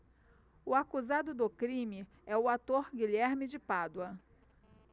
o acusado do crime é o ator guilherme de pádua